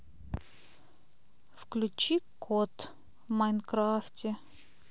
включи кот в майнкрафте